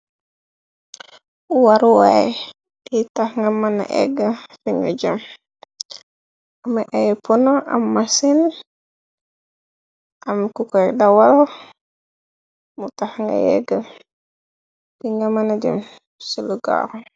Waru waay di tax nga mëna eggë fi nga jëm, am na ay pono, am masin, am ku kuy dawal mu tax nga yeggë, bi nga mëna dem si lu gaaw.